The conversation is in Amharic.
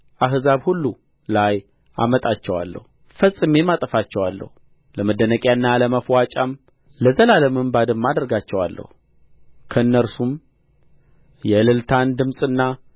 አሕዛብ ሁሉ ላይ አመጣቸዋለሁ ፈጽሜም አጠፋቸዋለሁ ለመደነቂያና ለማፍዋጫም ለዘላለምም ባድማ አደርጋቸዋለሁ ከእነርሱም የእልልታን ድምፅና